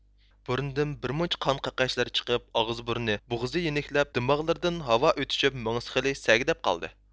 بۇرنىدىن بىرمۇنچە قان قەقەچلىرى چىقىپ ئاغزى بۇرنى بوغۇزى يېنىكلەپ دىماغلىرىدىن ھاۋا ئۆتۈشۈپ مېڭىسى خېلى سەگىدەپ قالدى